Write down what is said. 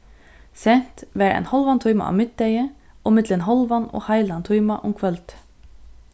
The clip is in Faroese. sent varð ein hálvan tíma á miðdegi og millum hálvan og heilan tíma um kvøldið